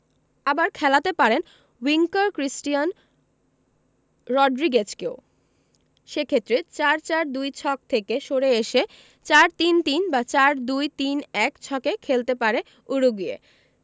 আবার খেলাতে পারেন উইঙ্গার ক্রিস্টিয়ান রড্রিগেজকেও সে ক্ষেত্রে ৪ ৪ ২ ছক থেকে সরে এসে ৪ ৩ ৩ বা ৪ ২ ৩ ১ ছকে খেলতে পারে উরুগুয়ে